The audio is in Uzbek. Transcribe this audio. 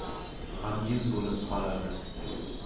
g'amgin bo'lib qolardi